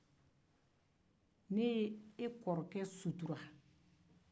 ne ye e kɔrɔkɛ sutura